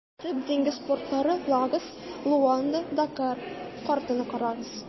Төп диңгез портлары - Лагос, Луанда, Дакар (картаны карагыз).